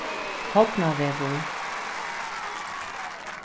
hornavegur